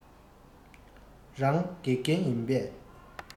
རང དགེ རྒན ཡིན པས